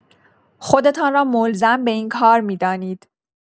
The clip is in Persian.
خودتان را ملزم به این کار می‌دانید.